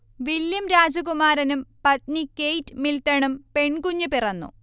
William രാജകുമാരനും പത്നി Kate മിൽടണും പെൺകുഞ്ഞ് പിറന്നു